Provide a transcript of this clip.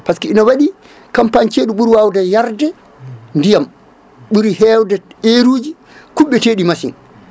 par ce que ine waɗi campagne: fra ceeɗu ɓuuri wawde yarde ndiyam ɓuuri hewde heure uji kuɓɓeteɗi machine